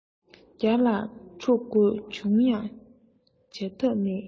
བརྒྱ ལ འཁྲུག དགོས བྱུང ཡང བྱ ཐབས མེད